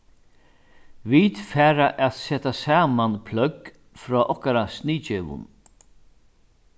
vit fara at seta saman pløgg frá okkara sniðgevum